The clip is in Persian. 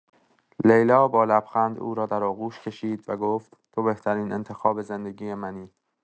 لیلا با لبخند او را در آغوش کشید و گفت: «تو بهترین انتخاب زندگی منی.»